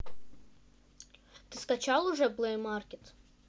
ты скачал уже play market